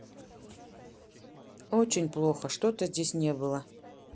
очень плохо что то здесь не было